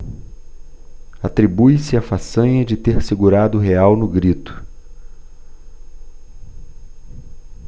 atribuiu-se a façanha de ter segurado o real no grito